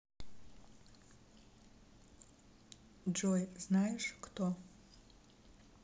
джой знаешь кто